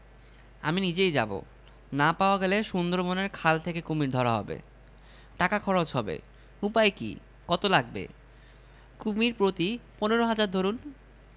দ্বিতীয় শ্রেণী সপ্তম স্থান একজন ছাত্রকে নিযুক্ত করেছি তার নাম আবুল কালাম বেতন মাসিক চার হাজার এই সঙ্গে বিপদ ভাতা দু'হাজার